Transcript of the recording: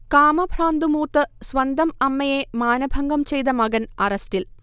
കാമഭ്രാന്ത് മൂത്ത് സ്വന്തം അമ്മയെ മാനഭംഗം ചെയ്ത മകൻ അറസ്റ്റിൽ